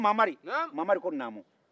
a ko mamari mamari ko naanu